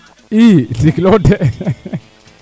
i ndinglo de